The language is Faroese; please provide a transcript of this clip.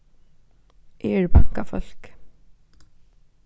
eg eri bankafólk